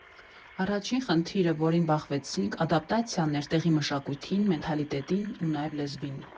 Առաջին խնդիրը, որին բախվեցինք, ադապտացիան էր տեղի մշակույթին, մենթալիտետին ու նաև լեզվին։